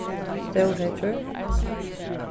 stórheyggjur